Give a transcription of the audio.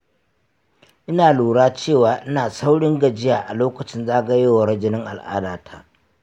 ina lura cewa ina saurin gajiya a lokacin zagayowar jinin al’adata.